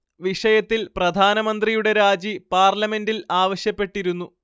വിഷയത്തിൽ പ്രധാനമന്ത്രിയുടെ രാജി പാർലമെന്റിൽ ആവശ്യപ്പെട്ടിരുന്നു